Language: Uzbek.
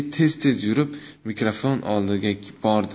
tez tez yurib mikrofon oldiga bordi